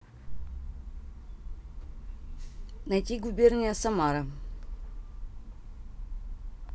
найти губерния самара